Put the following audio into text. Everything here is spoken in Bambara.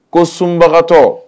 Ko sunbagatɔ